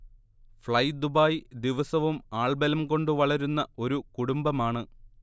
fly Dubai ദിവസവും ആൾബലം കൊണ്ട് വളരുന്ന ഒരു കുടുംബമാണ്